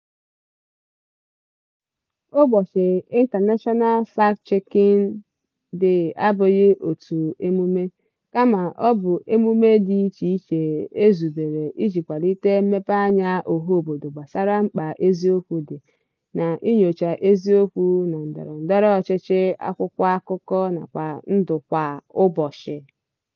Ụbọchị International Fact-Checking Day abụghị otu emume, kama ọ bụ emume dị icheiche e zubere iji kwalite mmepeanya ọhaobodo gbasara mkpa eziokwu dị — na inyocha eziokwu - na ndọrọndọrọ ọchịchị, akwụkwọ akụkọ, nakwa ndụ kwa ụbọchị.